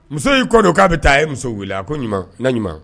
Muso y'i kɔ don k'a bɛ taa ye muso wili a na ɲuman